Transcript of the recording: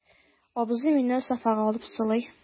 Абзый мине софага алып сылый.